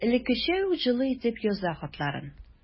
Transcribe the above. Элеккечә үк җылы итеп яза хатларын.